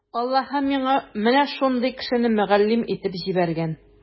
Аллаһы миңа менә шундый кешене мөгаллим итеп җибәргән.